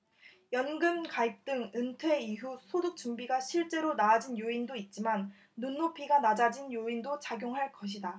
연금 가입 등 은퇴 이후 소득 준비가 실제로 나아진 요인도 있지만 눈높이가 낮아진 요인도 작용한 것이다